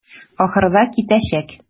Ахырда китәчәк.